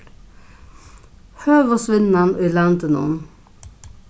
høvuðsvinnan í landinum